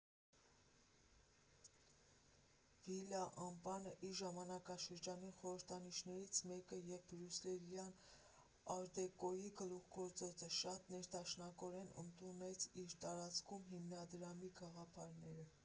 Վիլա Ամպանը՝ իր ժամանակաշրջանի խորհրդանիշներից մեկը և բրյուսելյան ար֊դեկոյի գլուխգործոցը, շատ ներդաշնակորեն ընդունեց իր տարածքում Հիմնադրամի գաղափարները։